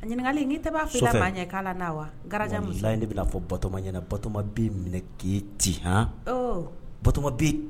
A ɲininkaka ni'a na wala de bɛna fɔ batoma ɲɛna batoma bɛ minɛ k'i ten h ba